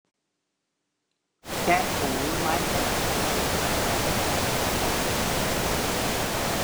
แคะหูไม้แคะหูไปกระแทกข้างในจนปวดหู